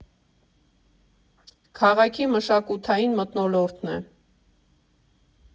Քաղաքի մշակութային մթնոլորտն է։